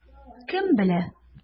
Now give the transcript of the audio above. Кем белә?